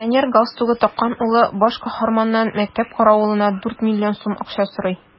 Пионер галстугы таккан улы баш каһарманнан мәктәп каравылына дүрт миллион сум акча сорый.